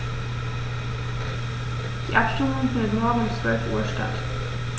Die Abstimmung findet morgen um 12.00 Uhr statt.